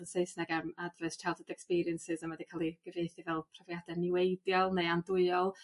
yn Saesneg ymm adverse child experiences a ma' 'di ca'l 'i gyfieithu fel profiada' niweidiol neu andwyol.